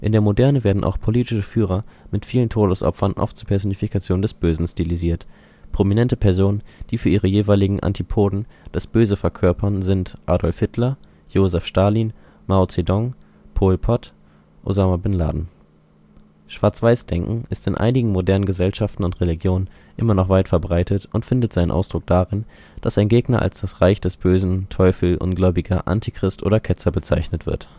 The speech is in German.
der Moderne werden auch politische Führer mit vielen Todesopfern oft zu Personifikationen des Bösen stilisiert. Prominente Personen, die für ihre jeweiligen Antipoden „ das Böse “verkörpern, sind Adolf Hitler, Josef Stalin, Mao Zedong, Pol Pot, Osama bin Laden. Schwarzweiß-Denken ist in einigen modernen Gesellschaften und Religionen immer noch weit verbreitet und findet seinen Ausdruck darin, dass ein Gegner als das Reich des Bösen, Teufel, Ungläubiger, Antichrist oder Ketzer bezeichnet wird